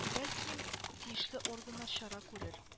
Бәлки тиешле органнар чара күрер